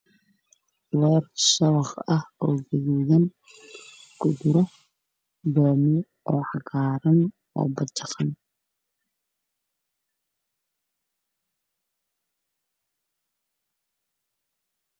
Meeshaan waxaa ka muuqdo loor shabaq ah oo gaduudan oo ay wax ku jiraan